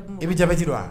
I bɛ jaabiji dɔn wa